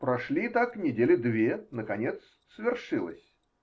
Прошли так недели две, наконец -- свершилось.